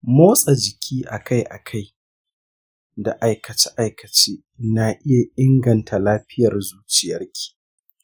motsa jiki akai-akai da aikace-aikace na iya inganta lafiyar zuciyarki.